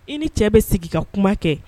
I ni ce bi sigi ka kuma kɛ.